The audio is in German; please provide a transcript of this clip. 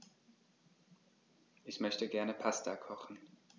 Ich möchte gerne Pasta kochen.